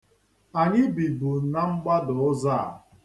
Anyị bibu na mgbada ụzọ a.